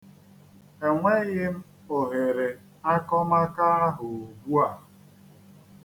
Enweghị m ohere akọmakọ ahụ ugbu a.